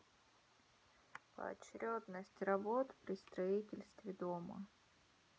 поочередность работ при строительстве дома